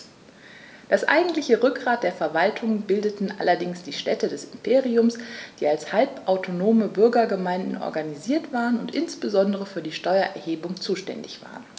Das eigentliche Rückgrat der Verwaltung bildeten allerdings die Städte des Imperiums, die als halbautonome Bürgergemeinden organisiert waren und insbesondere für die Steuererhebung zuständig waren.